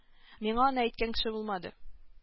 Миңа аны әйткән кеше булмады